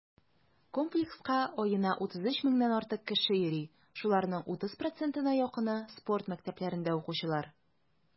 Комплекска аена 33 меңнән артык кеше йөри, шуларның 30 %-на якыны - спорт мәктәпләрендә укучылар.